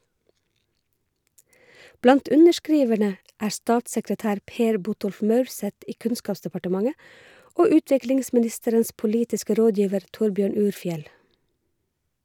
Blant underskriverne er statssekretær Per Botolf Maurseth i Kunnskapsdepartementet og utviklingsministerens politiske rådgiver Torbjørn Urfjell.